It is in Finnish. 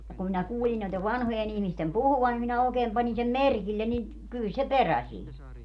ja kun minä kuulin noiden vanhojen ihmisten puhuvan niin minä oikein panin sen merkille niin kyllä se perä siinä on